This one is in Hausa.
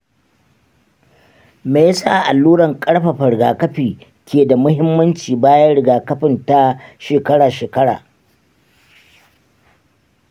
me yasa alluran ƙarfafa rigakafi ke da muhimmanci bayan rigakafin ta shekara-shekara